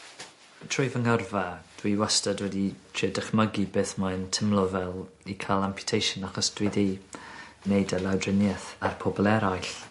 Trwy fy ngyrfa dwi wastod wedi trio dychmygu beth mae'n timlo fel i ca'l amputation achos dwi 'di neud y lawdriniaeth ar pobpl eraill.